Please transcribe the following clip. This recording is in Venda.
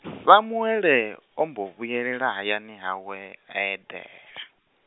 Samuele, a mbo vhuyelela hayani hawe, a eḓela.